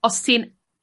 Os ti'n